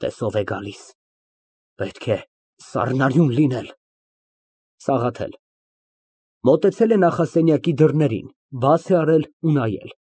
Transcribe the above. Տես ո՞վ է գալիս։ Պետք է սառնարյուն լինել… ՍԱՂԱԹԵԼ ֊ (Մոտեցել է նախասենյակի դռներին, բաց է արել ու նայել)։